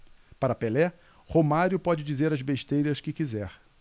para pelé romário pode dizer as besteiras que quiser